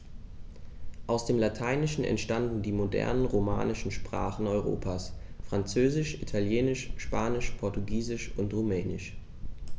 Aus dem Lateinischen entstanden die modernen „romanischen“ Sprachen Europas: Französisch, Italienisch, Spanisch, Portugiesisch und Rumänisch.